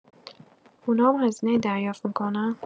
اونا هم هزینه‌ای دریافت می‌کنن؟